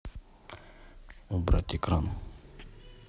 убрать экран